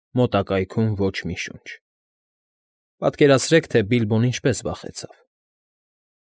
Մոտակայքում ոչ մի շունչ։ Պատկերացրեք, թե Բիլբոն ինչպես վախեցավ։